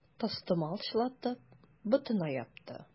Тастымал чылатып, ботына япты.